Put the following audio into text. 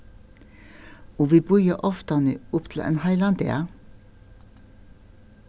og vit bíða oftani upp til ein heilan dag